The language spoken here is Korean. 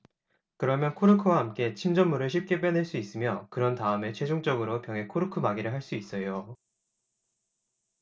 그러면 코르크와 함께 침전물을 쉽게 빼낼 수 있으며 그런 다음에 최종적으로 병에 코르크 마개를 할 수 있어요